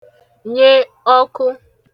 nye ọkụ